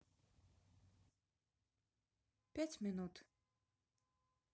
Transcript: пять минут